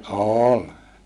oli